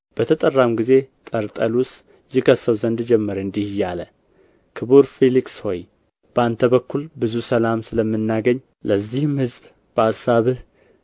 በተጠራም ጊዜ ጠርጠሉስ ይከሰው ዘንድ ጀመረ እንዲህ እያለ ክቡር ፊልክስ ሆይ በአንተ በኩል ብዙ ሰላም ስለምናገኝ ለዚህም ሕዝብ በአሳብህ